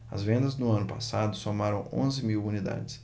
as vendas no ano passado somaram onze mil unidades